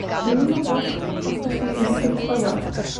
dwi'm yn gwbod os 'dach chi yn gallu clywad,